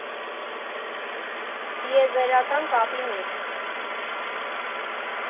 Տիեզերական կապի մեջ։